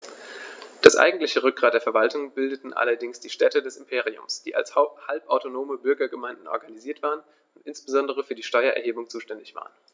Das eigentliche Rückgrat der Verwaltung bildeten allerdings die Städte des Imperiums, die als halbautonome Bürgergemeinden organisiert waren und insbesondere für die Steuererhebung zuständig waren.